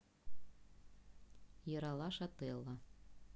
ералаш отелло